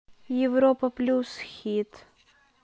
европа плюс хит